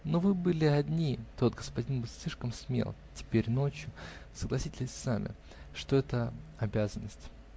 Но вы были одни, тот господин был слишком смел, теперь ночь: согласитесь сами, что это обязанность.